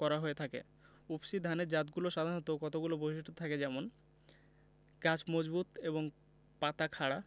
করা হয়ে থাকে উফশী ধানের জাতগুলোর সাধারণত কতগুলো বৈশিষ্ট্য থাকে যেমনঃ গাছ মজবুত এবং পাতা খাড়া